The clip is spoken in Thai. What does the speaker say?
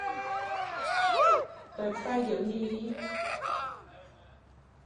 เปิดไฟเดี๋ยวนี้